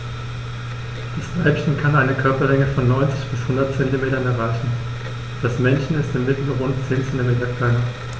Das Weibchen kann eine Körperlänge von 90-100 cm erreichen; das Männchen ist im Mittel rund 10 cm kleiner.